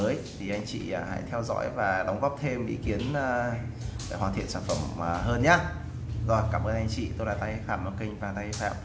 anh chị hãy theo dõi và đóng góp thêm ý kiến để sản phẩm hoàn thiện hơn cảm ơn anh chị tôi là tahi phạm của kênh vàng tahi phạm